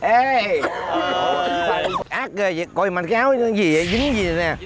ê ác ghê vậy coi giùm anh cái áo gì dính gì nè